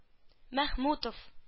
Мәхмүтов.